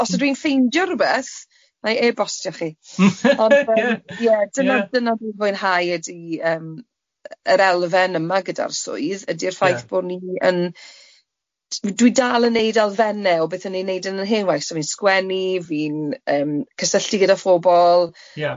Os ydw i'n ffeindio rwbeth, wna i e-bostio chi, ond yym ie dyna dyna dwi'n fwynhau ydy yym yr elfen yma gyda'r swydd ydy'r ffaith... Ie. ...bod ni yn, dwi dwi dal yn wneud elfenne o beth o'n i'n wneud yn yr hen waith, so fi'n sgwennu, fi'n yym cysylltu gyda phobol... Ia.